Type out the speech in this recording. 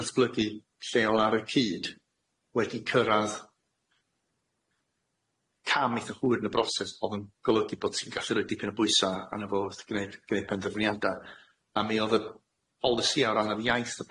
ddatblygu lleol ar y cyd wedi cyrradd pam eitha hwyr yn y broses o'dd yn golydi bod ti'n gallu roi dipyn o bwysa arno fo wrth gneud gneud penderfyniada a mi o'dd y polisia o ran yr iaith a